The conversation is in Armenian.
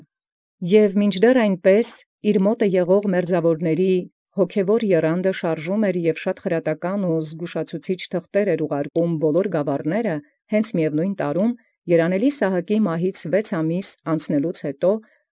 Կորյուն մինչդեռ այնպէս մերձաւորացն առ իւրև զհոգևոր եռանդն ածէր, և բազում թուղթս խրատագիրս և զգուշացուցիչս ընդ ամենայն գաւառս առաքէր, անդէն ի նմին ամի, յետ ամսոց վեցից անցելոց վախճանի երանելւոյն Սահակայ,